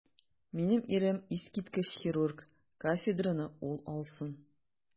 Минем ирем - искиткеч хирург, кафедраны ул алсын.